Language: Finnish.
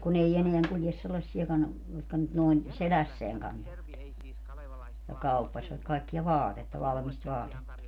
kun ei enää kulje sellaisiakaan jotka nyt noin selässään kantoivat ja kauppasivat kaikkea vaatetta valmista vaatetta